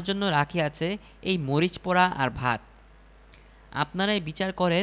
কোনো ইদারা পুকুর নাই সেখানে শোলমাছ আসিবে কোথা হইতে রহিম নিশ্চয়ই পাগল হইয়াছে